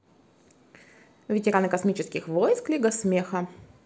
ветераны космических войск лига смеха